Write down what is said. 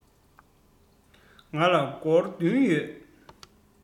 ང ལ སྒོར བདུན ཡོད